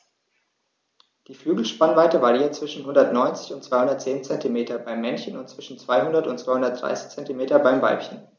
Die Flügelspannweite variiert zwischen 190 und 210 cm beim Männchen und zwischen 200 und 230 cm beim Weibchen.